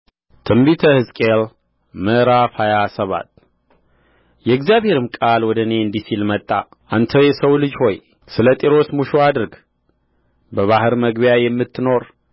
ትንቢተ ሕዝቅኤል ምዕራፍ ሃያ ሰባት የእግዚአብሔርም ቃል ወደ እኔ እንዲህ ሲል መጣ አንተ የሰው ልጅ ሆይ ስለ ጢሮስ ሙሾ አድርግ በባሕር መግቢያ የምትኖር